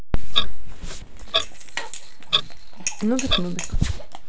нубик нубик